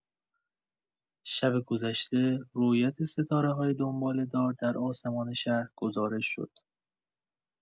شب گذشته، رؤیت ستاره‌های دنباله‌دار در آسمان شهر گزارش شد.